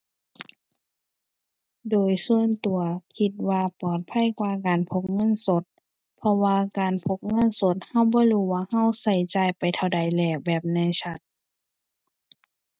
โดยส่วนตัวคิดว่าปลอดภัยกว่าการพกเงินสด เพราะว่าการพกเงินสดเราบ่รู้ว่า เราเราจ่ายไปเท่าใดแล้ว แบบแน่ชัด